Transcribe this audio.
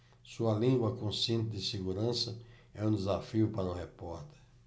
sua língua com cinto de segurança é um desafio para o repórter